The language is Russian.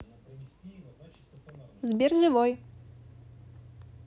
сбер живой